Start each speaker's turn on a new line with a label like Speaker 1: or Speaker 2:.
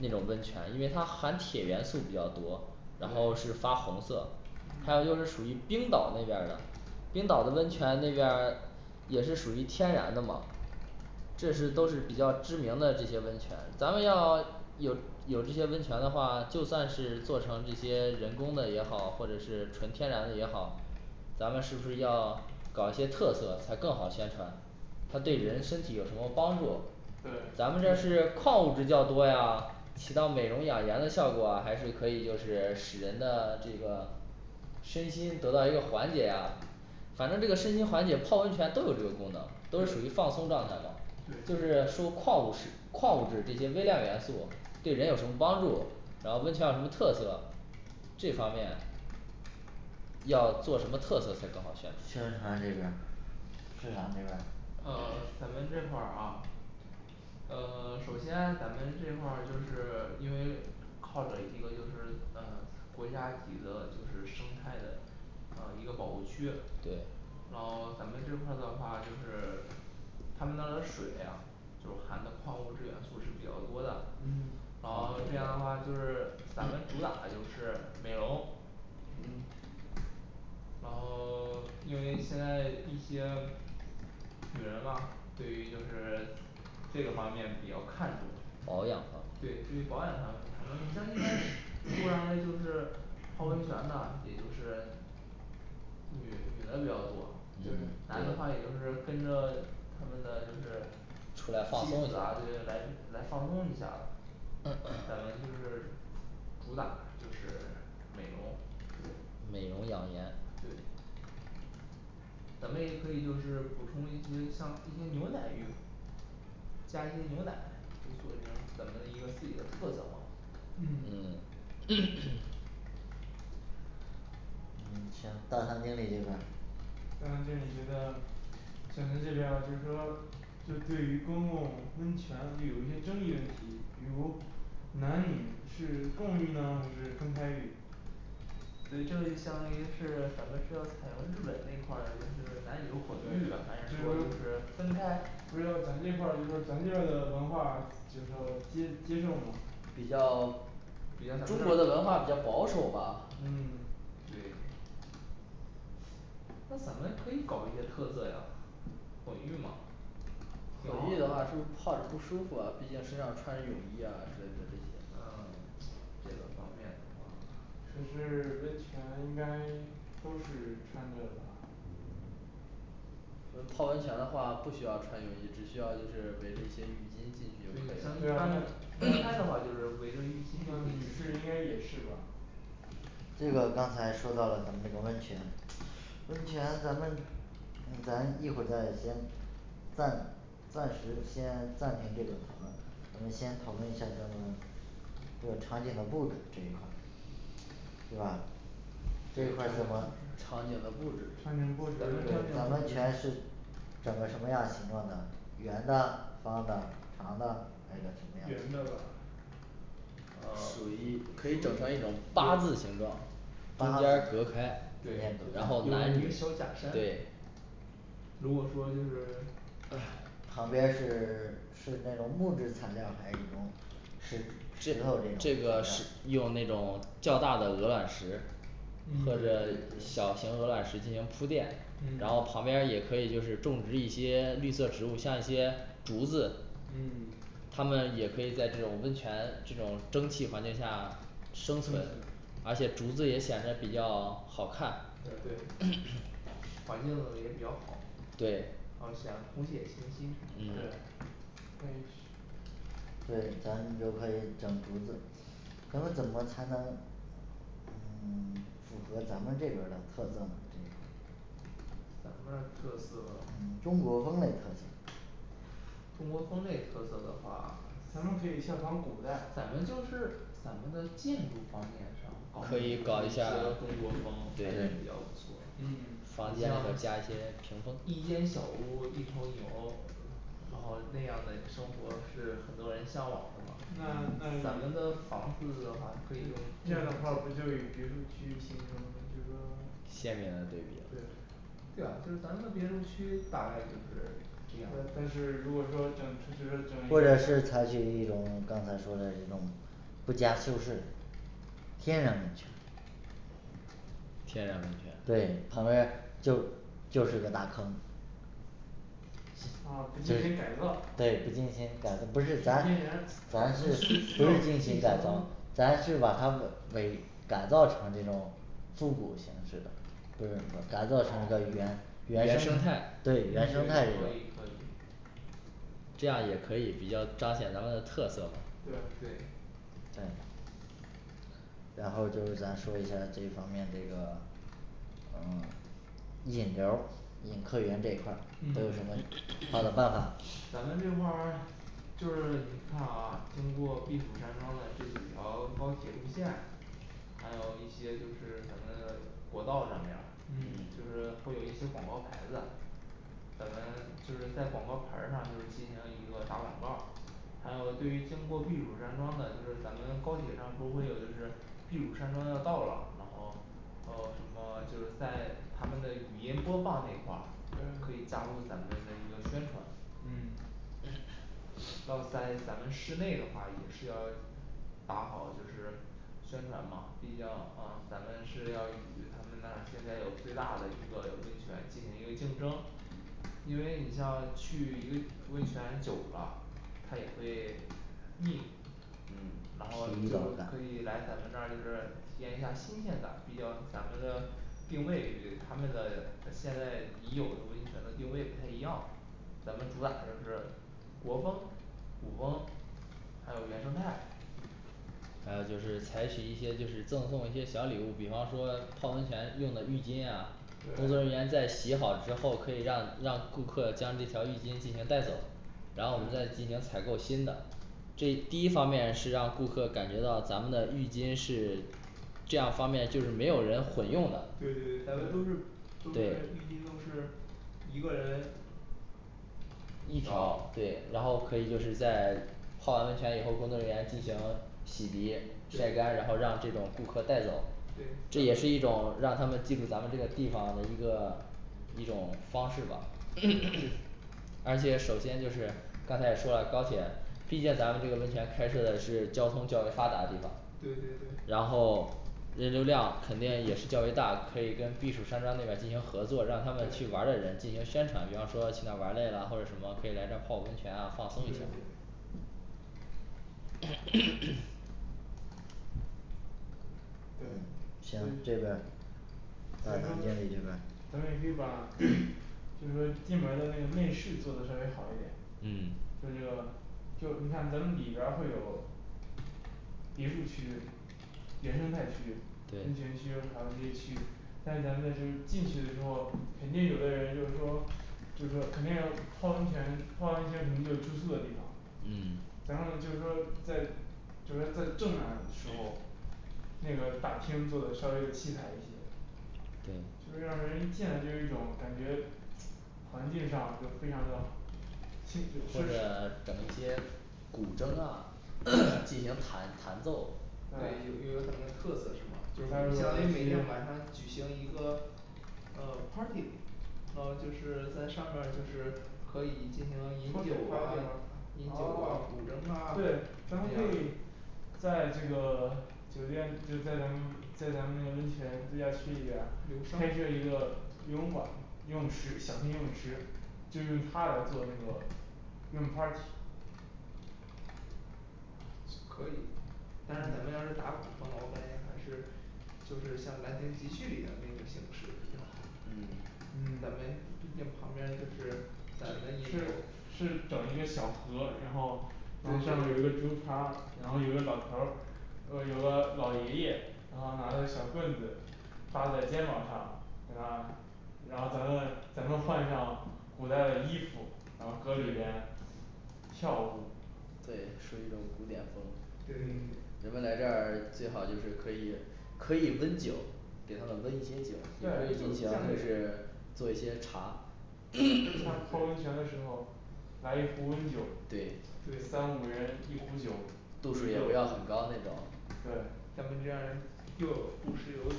Speaker 1: 那种温泉因为它含铁元素比较多然后
Speaker 2: 对
Speaker 1: 是发红色，还有就是
Speaker 2: 嗯
Speaker 1: 属于冰岛那边儿的冰岛的温泉那边儿也是属于天然的嘛这是都是比较知名的这些温泉咱们要有有这些温泉的话就算是做成这些人工的也好或者是纯天然的也好咱们是不是要搞一些特色才更好宣传它对人身体有什么帮助
Speaker 2: 对
Speaker 1: 咱们这是矿物质较多呀起到美容养颜的效果啊还是可以就是使人的这个身心得到一个缓解呀反正这个身心缓解泡温泉都有这个功能都是属于
Speaker 3: 对
Speaker 1: 放松状态嘛就
Speaker 3: 对
Speaker 1: 是说矿物是矿物质这些微量元素对人有什么帮助然后温泉有什么特色这方面要做什么特色才更好宣
Speaker 4: 宣
Speaker 1: 传
Speaker 4: 传这边儿市场这边儿
Speaker 2: 呃咱们这块儿啊嗯首先咱们这块儿就是因为靠着一个就是嗯国家几个就是生态的呃一个保护区
Speaker 1: 对
Speaker 2: 然后咱们这块儿的话就是他们那的水啊就含的矿物质元素是比较多的
Speaker 3: 嗯
Speaker 2: 然
Speaker 4: 矿
Speaker 2: 后
Speaker 4: 物质
Speaker 2: 这
Speaker 4: 比
Speaker 2: 样
Speaker 4: 较
Speaker 2: 的话就
Speaker 4: 多
Speaker 2: 是咱们主打就是美容
Speaker 3: 嗯
Speaker 2: 然后 因为现在一些女人嘛对于就是这个方面比较看重
Speaker 1: 保养嘛
Speaker 2: 对对于保养方面像一般突然嘞就是泡温泉
Speaker 1: 嗯
Speaker 2: 呢也就是女女的比较多
Speaker 1: 嗯
Speaker 3: 对
Speaker 2: 男的话也就是跟着他们的就是
Speaker 1: 出
Speaker 2: 妻
Speaker 1: 来放松一
Speaker 2: 子
Speaker 1: 下儿
Speaker 2: 啊这些来来放松一下儿咱们就是主打就是美容
Speaker 3: 对
Speaker 1: 美容养颜
Speaker 2: 对咱们也可以就是补充一些像一些牛奶浴，加一些牛奶就做已经咱们一个自己的特色嘛
Speaker 3: 嗯
Speaker 1: 嗯
Speaker 4: 嗯行大堂经理这边儿
Speaker 3: 大堂经理觉得像您这边儿就是说就对于公共温泉就有一些争议问题比如男女是共浴呢还是分开浴
Speaker 2: 对这个相当于是咱们是要采用日本那块儿就是男
Speaker 3: 对，
Speaker 2: 女都混合浴呀还是说
Speaker 3: 就
Speaker 2: 就
Speaker 3: 是
Speaker 2: 是分开，
Speaker 3: 不是要咱这块儿就是咱这边儿的文化就说接接受吗
Speaker 1: 比较
Speaker 2: 比较咱
Speaker 1: 中
Speaker 2: 们
Speaker 1: 国的
Speaker 2: 这儿
Speaker 1: 文化比较保守吧
Speaker 3: 嗯
Speaker 2: 对那咱们可以搞一些特色呀混浴嘛，挺好
Speaker 1: 混浴的话是不是泡着不舒服啊毕竟身上穿着泳衣呀之类的这些
Speaker 2: 啊这个方面的话
Speaker 3: 可是温泉应该都是穿着吧
Speaker 4: 嗯
Speaker 1: 嗯，泡温泉的话不需要穿泳衣只需要就是围着一些浴巾进
Speaker 2: 对，你
Speaker 1: 去就可
Speaker 2: 像
Speaker 1: 以了
Speaker 3: 对
Speaker 2: 一
Speaker 3: 呀
Speaker 2: 般的，
Speaker 3: 那，
Speaker 2: 分开的话就是围着浴巾
Speaker 3: 女士应该也是吧
Speaker 4: 这个刚才说到了咱们这个温泉温泉咱们嗯咱一会儿再先暂暂时先暂停这个讨论咱们先讨论一下咱们这个场景的布置这一块儿对吧这一
Speaker 1: 对，
Speaker 4: 块
Speaker 1: 场
Speaker 4: 儿
Speaker 1: 景
Speaker 4: 怎
Speaker 1: 布
Speaker 4: 么
Speaker 1: 置
Speaker 3: 场
Speaker 2: 咱们场景
Speaker 3: 景
Speaker 2: 的布
Speaker 3: 布置
Speaker 4: 咱温
Speaker 2: 置
Speaker 4: 泉是整个什么样的形状的圆的方的长的还是什么样
Speaker 3: 圆
Speaker 4: 形
Speaker 3: 的吧
Speaker 1: 呃
Speaker 2: 属于
Speaker 1: 可以
Speaker 3: 属
Speaker 1: 整成
Speaker 3: 于
Speaker 1: 一种八字形状中
Speaker 3: 八
Speaker 1: 间儿
Speaker 3: 对
Speaker 1: 隔开
Speaker 4: 中间隔
Speaker 1: 然后
Speaker 4: 开
Speaker 1: 男
Speaker 3: 有一
Speaker 1: 女
Speaker 3: 个小假山
Speaker 1: 对
Speaker 3: 如果说就是
Speaker 2: 哎
Speaker 4: 旁边儿是 是那种木质材料儿还是一种是
Speaker 1: 这
Speaker 4: 石头这
Speaker 1: 这
Speaker 4: 种
Speaker 1: 个
Speaker 4: 什
Speaker 1: 是
Speaker 4: 么的
Speaker 1: 用那种较大的鹅卵石
Speaker 2: 对
Speaker 1: 或
Speaker 2: 对
Speaker 3: 嗯
Speaker 1: 者就是
Speaker 2: 对
Speaker 1: 小型鹅卵石进行铺垫然后
Speaker 3: 嗯
Speaker 1: 旁边儿也可以就是种植一些绿色植物像一些竹子
Speaker 3: 嗯
Speaker 1: 它们也可以在这种温泉这种蒸汽环境下生
Speaker 3: 生存
Speaker 1: 存，而且竹子也显着比较好看
Speaker 3: 对
Speaker 2: 对环境呢也比较好
Speaker 1: 对
Speaker 2: 然后显得空气也清新什
Speaker 3: 对
Speaker 2: 么的
Speaker 1: 嗯
Speaker 3: 它也持
Speaker 4: 对咱就可以整竹子咱们怎么才能嗯 符合咱们这边儿的特色呢这个
Speaker 2: 咱们这儿的特色
Speaker 4: 嗯中国风嘞特色
Speaker 2: 中国风嘞特色的话，咱们就是咱们的建筑方面上搞一些中国风，感觉比较不错
Speaker 3: 咱们可以效仿古代
Speaker 2: 咱们就是咱们的建筑方面
Speaker 1: 可以
Speaker 2: 上
Speaker 1: 搞
Speaker 2: 搞
Speaker 1: 一
Speaker 2: 一
Speaker 1: 下
Speaker 2: 些
Speaker 1: 儿
Speaker 2: 中国风
Speaker 1: 对
Speaker 3: 嗯
Speaker 1: 房
Speaker 2: 你
Speaker 1: 间里
Speaker 2: 像
Speaker 1: 加一些屏风
Speaker 2: 一间小屋儿一头牛呃然后那样的生活是很多人向往的嘛
Speaker 3: 那那
Speaker 2: 咱们
Speaker 3: 与
Speaker 2: 的房子的话可以用
Speaker 3: 这样的话不
Speaker 2: 木质
Speaker 3: 就与别墅区形成就是说
Speaker 1: 鲜明的对比
Speaker 3: 对
Speaker 2: 对啊就是咱们的别墅区大概就是这
Speaker 3: 那
Speaker 2: 样
Speaker 3: 但是
Speaker 2: 的模式
Speaker 3: 如果说整成就是说整一
Speaker 4: 或者是
Speaker 3: 个
Speaker 4: 采取一种刚才说的这种不加修饰 天然温泉
Speaker 1: 天然温泉
Speaker 4: 对，旁边儿就就是个大坑
Speaker 3: 啊不进行改
Speaker 4: 嗯
Speaker 3: 造
Speaker 4: 对不进行改不
Speaker 3: 纯
Speaker 4: 是咱
Speaker 3: 天然肯定
Speaker 4: 咱是不
Speaker 3: 是需要
Speaker 4: 是
Speaker 3: 进
Speaker 4: 进
Speaker 3: 行
Speaker 4: 行改造咱是把它维维改造成这种复古形式的不是不是，改造成这个原
Speaker 3: 原
Speaker 4: 原
Speaker 3: 生
Speaker 4: 生
Speaker 3: 态嗯，
Speaker 4: 对原生态
Speaker 2: 可以
Speaker 3: 对
Speaker 4: 这种
Speaker 2: 可以
Speaker 1: 这样也可以比较彰显咱们的特色嘛
Speaker 3: 对
Speaker 2: 对
Speaker 4: 这类然后就是咱说一下儿这一方面这个嗯 引流儿引客源这一块儿都有什
Speaker 3: 嗯
Speaker 4: 么其它的办法
Speaker 2: 咱们这块儿就是你看啊经过避暑山庄的这几条高铁路线还有一些就是咱们国道上面儿
Speaker 1: 嗯
Speaker 4: 嗯
Speaker 2: 就是会有一些广告牌子咱们就是在广告牌儿上就是进行了一个打广告儿还有对于经过避暑山庄儿的就是咱们高铁上不都会有就是避暑山庄要到啦然后呃什么就是在他们的语音播放那一块儿可
Speaker 3: 对
Speaker 2: 以加入咱们的一个宣传
Speaker 3: 嗯
Speaker 2: 然后但是咱们室内的话也是要打好就是宣传嘛毕竟啊咱们是要与他们那现在有最大的一个温泉进行一个竞争因为你像去一个温泉久了他也会腻
Speaker 1: 嗯
Speaker 2: 然后就可以来咱们这儿就是体验一下儿新鲜感毕竟咱们的定位与他们的呃现在已有的温泉的定位不太一样咱们主打的就是国风古风还有原生态
Speaker 1: 还有就是采取一些就是赠送一些小礼物比方说泡温泉用的浴巾啊工作
Speaker 3: 对
Speaker 1: 人员在洗好之后可以让让顾客将这条浴巾进行带走然后我们
Speaker 3: 对
Speaker 1: 再进行采购新的这第一方面是让顾客感觉到咱们的浴巾是这样方便就是没有人混用的
Speaker 2: 对对对咱们都
Speaker 3: 对
Speaker 2: 是都是
Speaker 1: 对
Speaker 2: 浴巾都是一个人一
Speaker 4: 一
Speaker 2: 条
Speaker 4: 条
Speaker 1: 对然后可以就是在泡完温泉以后工作人员进行洗涤晒
Speaker 2: 对
Speaker 1: 干然后让这种顾客带走
Speaker 2: 对
Speaker 1: 这也是一种让他们记住咱们这个地方的一个一种方式吧
Speaker 2: 对对
Speaker 1: 而且首先就是刚才也说了高铁毕竟咱们这个温泉开设的是交通较为发达的地方
Speaker 3: 对对对
Speaker 1: 然后人流量肯定也是较为大的可以跟避暑山庄那边儿进行合作让他们去
Speaker 3: 对
Speaker 1: 玩儿的人进行宣传比方说去那玩儿累了或者什么可以来这儿泡温泉啊放松一
Speaker 3: 对
Speaker 1: 下
Speaker 3: 对对，所
Speaker 4: 行
Speaker 3: 以
Speaker 4: 这边儿大堂经
Speaker 3: 学生
Speaker 4: 理这边儿
Speaker 3: 咱们也可以把 就是说进门儿的那个内饰做的稍微好一点
Speaker 1: 嗯
Speaker 3: 就是那个就你看咱们里边儿会有别墅区原生态区温泉
Speaker 1: 对
Speaker 3: 区还有这些区但是咱们在就是进去的时候肯定有的人就是说就是说肯定要泡温泉，泡完温泉肯定就有住宿的地方
Speaker 1: 嗯
Speaker 3: 咱们就是说在就是说在正面儿来的时候，那个大厅做的稍微的气派一些
Speaker 4: 对
Speaker 3: 就是让人一进来就有一种感觉环境上就是非常的好 确
Speaker 1: 或
Speaker 3: 确实实
Speaker 1: 者整一些古筝啊进行弹弹奏
Speaker 2: 对，
Speaker 1: 对
Speaker 2: 有有了咱们的特色是吗，就
Speaker 1: 加入了
Speaker 2: 相当于
Speaker 1: 一
Speaker 2: 每
Speaker 1: 些
Speaker 2: 天晚上举行一个呃party 然后就是在上面儿就是可以进行饮
Speaker 3: 喝酒
Speaker 2: 酒
Speaker 3: 啊
Speaker 2: 啊饮酒啊古筝
Speaker 3: 哦，
Speaker 2: 啊
Speaker 3: 对，
Speaker 2: 这
Speaker 3: 咱
Speaker 2: 样
Speaker 3: 们可以在这个酒店就在咱们在咱们那个温泉度假区里边儿开设一个游泳馆儿游泳池小型游泳池就是用它来做那个游泳party
Speaker 2: 可以但是
Speaker 3: 嗯
Speaker 2: 咱们要是打古风的话我感觉还是就是像兰亭集序里的那个形式比较好
Speaker 1: 嗯
Speaker 2: 咱
Speaker 3: 嗯
Speaker 2: 们毕竟旁边就是改了一
Speaker 3: 就是
Speaker 2: 口
Speaker 3: 是整一个小河然后然
Speaker 2: 对
Speaker 3: 后上
Speaker 2: 对
Speaker 3: 边儿有一
Speaker 2: 对
Speaker 3: 个竹筏然后有一个老头儿呃有个老爷爷然后拿着小棍子搭在肩膀上给他然后咱们咱们换上古代的衣服然后搁
Speaker 2: 对
Speaker 3: 里边跳舞
Speaker 1: 对属于一种古典风
Speaker 2: 对对对
Speaker 3: 嗯
Speaker 1: 人们来这儿最好就是可以可以温酒，给他们温一些酒
Speaker 2: 对
Speaker 1: 可以
Speaker 2: 呀
Speaker 1: 进，行
Speaker 2: 下
Speaker 1: 就
Speaker 2: 面
Speaker 1: 是
Speaker 2: 是
Speaker 1: 做一些茶
Speaker 2: 像泡温泉的时候来一壶温酒
Speaker 1: 对
Speaker 2: 对三五个人一壶酒
Speaker 1: 度
Speaker 2: 都
Speaker 1: 数
Speaker 2: 是
Speaker 1: 也
Speaker 2: 要
Speaker 1: 不要很高那种
Speaker 3: 对
Speaker 2: 咱们这样又有故事又有酒